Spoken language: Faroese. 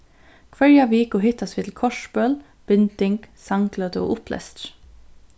hvørja viku hittast vit til kortspøl binding sangløtu og upplestur